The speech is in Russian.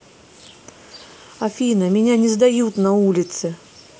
афина меня не сдают на улице